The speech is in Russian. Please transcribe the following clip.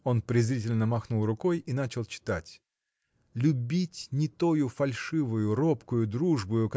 – Он презрительно махнул рукой и начал читать Любить не тою фальшивою робкою дружбою